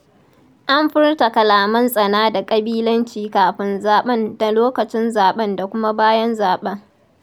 An furta kalaman tsana da ƙabilanci kafin zaɓen da lokacin zaɓen da kuma bayan zaɓen.